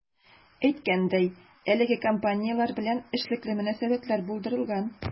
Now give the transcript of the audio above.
Әйткәндәй, әлеге компанияләр белән эшлекле мөнәсәбәтләр булдырылган.